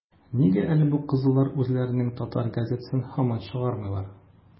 - нигә әле бу кызыллар үзләренең татар газетасын һаман чыгармыйлар?